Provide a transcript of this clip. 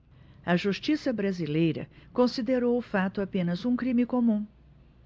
a justiça brasileira considerou o fato apenas um crime comum